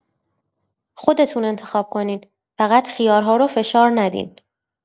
خودتون انتخاب کنین، فقط خیارها رو فشار ندین.